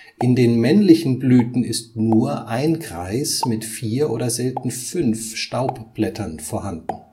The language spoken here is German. In den männlichen Blüten ist nur ein Kreis mit 4 oder selten 5 Staubblättern vorhanden